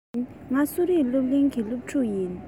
ཡིན ང གསོ རིག སློབ གླིང གི སློབ ཕྲུག ཡིན